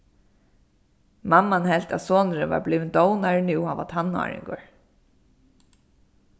mamman helt at sonurin var blivin dovnari nú hann var tannáringur